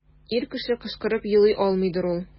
Ир кеше кычкырып елый алмыйдыр ул.